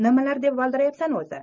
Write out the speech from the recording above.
nimalar deb valdirayapsan o'zi